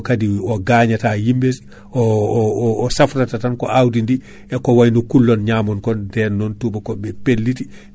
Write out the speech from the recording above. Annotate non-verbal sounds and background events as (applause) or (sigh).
tawa hayi (hesitation) ñamre wotere wata ñamde ɗum hay rafi goto kaadi gonɗo e nder leydi ndi wawata rabde ndiɗon awdi (breath)